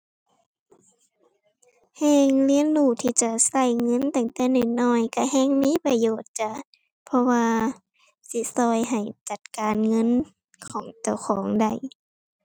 แฮ่งเรียนรู้ที่จะใช้เงินตั้งแต่น้อยน้อยใช้แฮ่งมีประโยชน์จ้ะ เพราะว่าสิใช้ให้จัดการเงินของเจ้าของได้